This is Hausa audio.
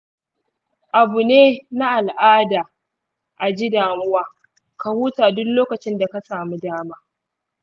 abu ne na al’ada a ji damuwa; ka huta duk lokacin da ka samu dama.